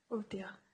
O dio